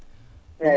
eyyi